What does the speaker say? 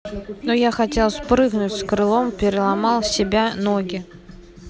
но я хотела спрыгнуть с крылом переломал себя ноги